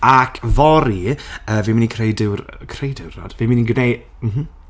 Ac, fory yy fi'n mynd i creu diwr- "creu diwrnod"? Fi'n mynd i gneu-...mhm.